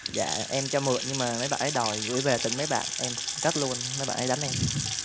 dạ em cho mượn nhưng mà mấy bạn ấy đòi gửi về tỉnh mấy bạn em cất luôn mấy bạn ấy đánh em